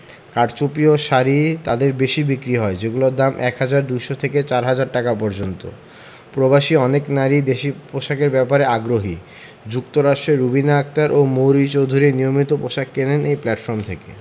কারচুপি ও শাড়ি তাঁদের বেশি বিক্রি হয় যেগুলোর দাম ১ হাজার ২০০ থেকে ৪ হাজার টাকা পর্যন্ত প্রবাসী অনেক নারীই দেশি পোশাকের ব্যাপারে আগ্রহী যুক্তরাষ্ট্রের রুবিনা আক্তার ও মৌরি চৌধুরী নিয়মিত পোশাক কেনেন এই প্ল্যাটফর্ম থেকে